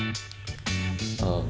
ờ